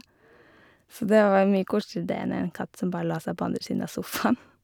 Så det var jo mye koseligere dét enn en katt som bare la seg på andre siden av sofaen.